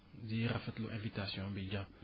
di rafetlu invitation bi Dia